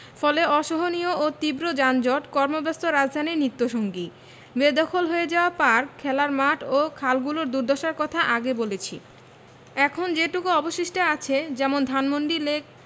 ফলে অসহনীয় ও তীব্র যানজট কর্মব্যস্ত রাজধানীর নিত্যসঙ্গী বেদখল হয়ে যাওয়া পার্ক খেলার মাঠ ও খালগুলোর দুর্দশার কথা আগে বলেছি এখন যেটুকু অবশিষ্ট আছে যেমন ধানমন্ডি লেক